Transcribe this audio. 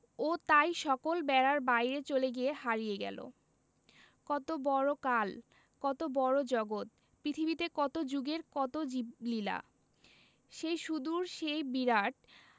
ও তাই সকল বেড়ার বাইরে চলে গিয়ে হারিয়ে গেল কত বড় কাল কত বড় জগত পৃথিবীতে কত জুগের কত জীবলীলা সেই সুদূর সেই বিরাট